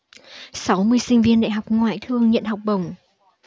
sáu mươi sinh viên đại học ngoại thương nhận học bổng